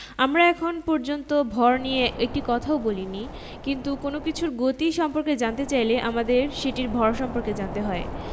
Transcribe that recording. আমরা এখন পর্যন্ত ভর নিয়ে একটি কথাও বলিনি কিন্তু কোনো কিছুর গতি সম্পর্কে জানতে চাইলে আমাদের সেটির ভর সম্পর্কে জানতে হয়